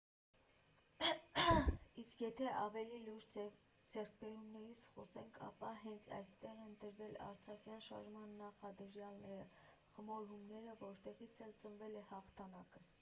Իսկ եթե ավելի լուրջ ձեռքբերումներից խոսենք, ապա հենց այստեղ են դրվել արցախյան շարժման նախադրյալները, խմորումները, որտեղից էլ ծնվել է հաղթանակը։